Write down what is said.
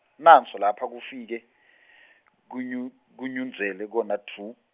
nanso lapha kufike , kunyu- kunyundzele kona dvu.